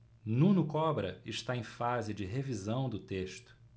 nuno cobra está em fase de revisão do texto